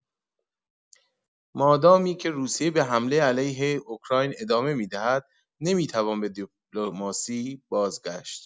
مادامی که روسیه به حمله علیه اوکراین ادامه می‌دهد نمی‌توان به دیپلماسی بازگشت.